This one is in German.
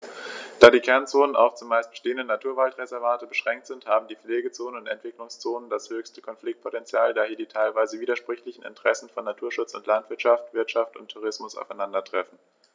Da die Kernzonen auf – zumeist bestehende – Naturwaldreservate beschränkt sind, haben die Pflegezonen und Entwicklungszonen das höchste Konfliktpotential, da hier die teilweise widersprüchlichen Interessen von Naturschutz und Landwirtschaft, Wirtschaft und Tourismus aufeinandertreffen.